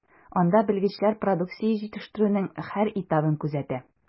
Анда белгечләр продукция җитештерүнең һәр этабын күзәтә.